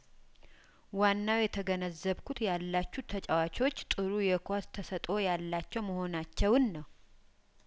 ዋናው የተገነዘብኩት ያላችሁ ተጫዋቾች ጥሩ የኳስ ተሰጥኦ ያላቸው መሆናቸውን ነው